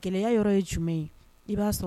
Keleya yɔrɔ ye jumɛn ye? I ba sɔrɔ